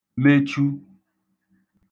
mechu